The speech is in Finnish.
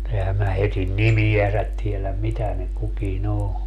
mutta enhän minä heidän nimiänsä tiedä mitä ne kukin on